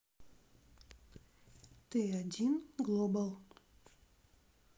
ты один global